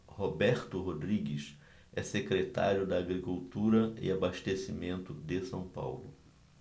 roberto rodrigues é secretário da agricultura e abastecimento de são paulo